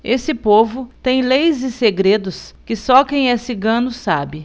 esse povo tem leis e segredos que só quem é cigano sabe